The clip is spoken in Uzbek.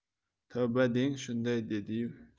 tavba deng shunday dediyu